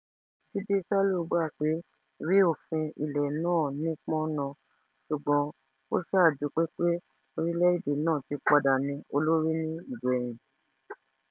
Jide Salu gbà pé ìwé òfin ilẹ̀ náà ní pọ́nńna, sùgbọ́n ó ṣá dúpẹ́ pé orílẹ̀-èdè náà ti padà ní olórí ní ìgbẹ̀yìn.